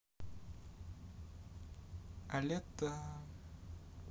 а лето